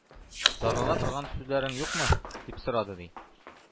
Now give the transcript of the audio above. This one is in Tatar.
Зарлана торган сүзләрең юкмы? — дип сорады, ди.